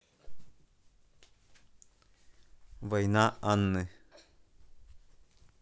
война анны